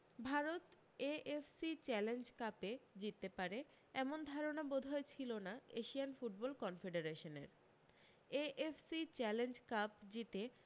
Bharat AFC challenge কাপে জিততে পারে এমন ধারণা বোধহয় ছিল না এশিয়ান ফুটবল কনফেডারেশনের এএফসি চ্যালেঞ্জ কাপ জিতে